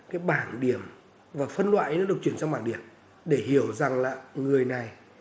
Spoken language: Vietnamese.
cái bảng điểm và phân loại đã được chuyển sang bảng điểm để hiểu rằng là người này